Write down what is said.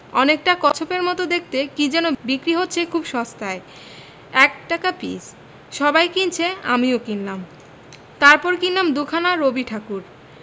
অনেকটা কচ্ছপের মত দেখতে কি যেন বিক্রি হচ্ছে খুব সস্তায় এক টাকা পিস সবাই কিনছে আমিও কিনলাম তারপর কিনলাম দু'খানা রবিঠাকুর